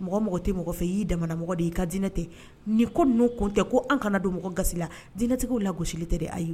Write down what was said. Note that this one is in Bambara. Mɔgɔ mɔgɔ tɛ mɔgɔ fɛ y'i jamana mɔgɔ de i ka dinɛ tɛ nii ko n'o kun tɛ ko an kana don mɔgɔ ga la dinɛtigiw la gosisili tɛ de ayi